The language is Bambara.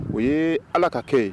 O ye ala ka kɛ